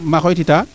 ma xooytita